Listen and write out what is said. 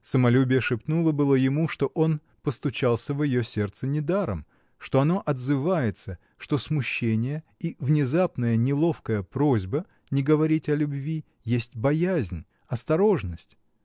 Самолюбие шепнуло было ему, что он постучался в ее сердце недаром, что оно отзывается, что смущение и внезапная, неловкая просьба не говорить о любви — есть боязнь, осторожность.